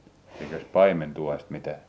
tekikös paimen tuohesta mitään